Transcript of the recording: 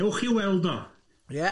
Ewch i weld o. Ie.